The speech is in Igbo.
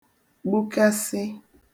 gbukasị